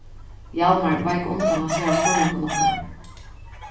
hjalmar veik undan at svara spurningum okkara